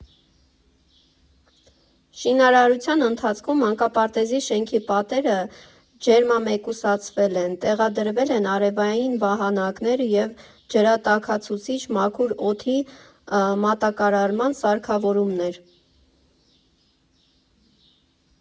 Շինարարության ընթացքում մանկապարտեզի շենքի պատերը ջերմամեկուսացվել են, տեղադրվել են արևային վահանակներ և ջրատաքացուցիչ, մաքուր օդի մատակարարման սարքավորումներ։